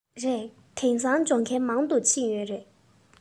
རེད དེང སང སྦྱོང མཁན མང དུ ཕྱིན ཡོད རེད